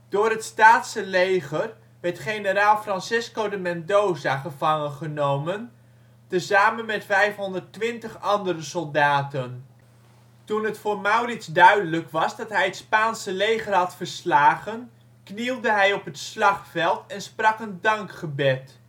Door het Staatse leger werd generaal Francesco de Mendoza gevangengenomen, tezamen met 520 andere soldaten. Toen het voor Maurits duidelijk was dat hij het Spaanse leger had verslagen, knielde hij op het slagveld en sprak een dankgebed